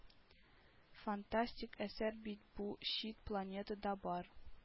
Фантастик әсәр бит бу чит планетада бар